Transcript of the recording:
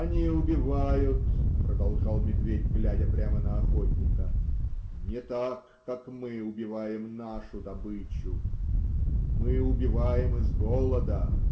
-- Они убивают, -- продолжал медведь, глядя прямо на охотника, -- не так, как мы убиваем нашу добычу. Мы убиваем из голода